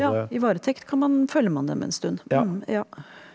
ja i varetekt kan man følger man dem en stund ja ja.